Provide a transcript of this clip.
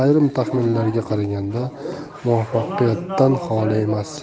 ayrim taxminlarga qaraganda muvaffaqiyatdan xoli emas